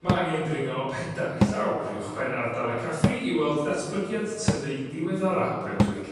Ma' angen dringo pedair llawr uwchben ardal y caffi i weld datblygiad tyfu diweddara Brunswick